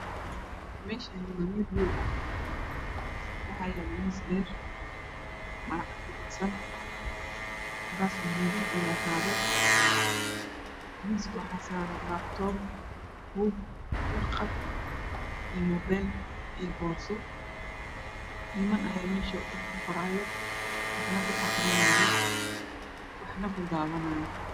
Meshani waa meel hool ah waxa yalo miis dheer maro cad ku fidsan koraas gaduudan aya ku fidsan miska waxa saaran labtoon, buug, warqad iyo mobel iyo boorso niman aya mesha wax ku qorayo waxna ku aqrinayo waxna ku dawanyo